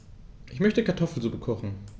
Ich möchte Kartoffelsuppe kochen.